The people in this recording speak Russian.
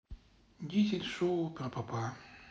дизель шоу про попа